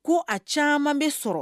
Ko a caman bɛ sɔrɔ